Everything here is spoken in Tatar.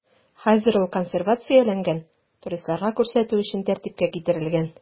Хәзер ул консервацияләнгән, туристларга күрсәтү өчен тәртипкә китерелгән.